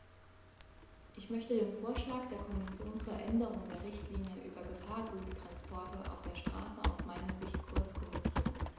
Ich möchte den Vorschlag der Kommission zur Änderung der Richtlinie über Gefahrguttransporte auf der Straße aus meiner Sicht kurz kommentieren.